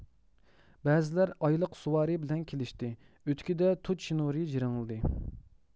بەزىلەر ئايلىق سۈۋارى بىلەن كېلشتى ئۆتۈكىدە تۇچ شىنۇرى جىرىڭلىدى